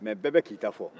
nka bɛɛ bɛk'i ta fɔ